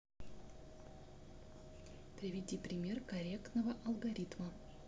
приведи пример корректного алгоритма